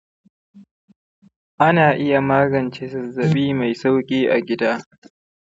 ana iya magance zazzabi mai sauƙi a gida.